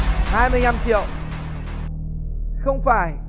mươi lăm triệu không phải